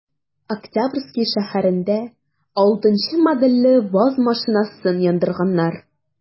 Октябрьский шәһәрендә 6 нчы модельле ваз машинасын яндырганнар.